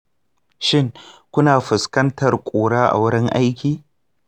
shin kuna fuskantar ƙura a wurin aiki?